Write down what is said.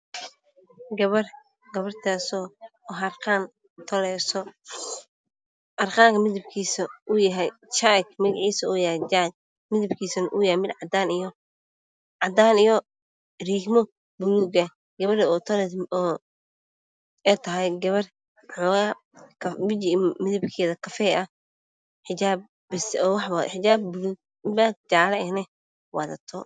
Waa gabar harqaan tuleyso harqaanka magaciisa jaayd midabkiisu waa cadaan iyo riigmo buluug ah, gabadha tuleyso waxay wadataa xijaab buluug maari ah.